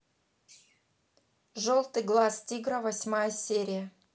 желтый глаз тигра восьмая серия